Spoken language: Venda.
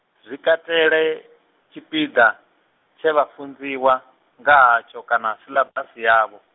zwikateli, tshipiḓa, tshe vha funziwa, nga hatsho kana siḽabasi yavho.